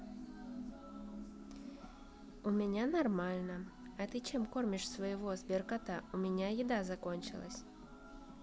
у меня нормально а ты чем кормишь своего сберкота у меня еда закончилась